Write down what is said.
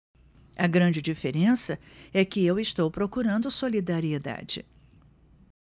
a grande diferença é que eu estou procurando solidariedade